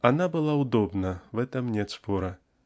Она была удобна, об этом нет спора.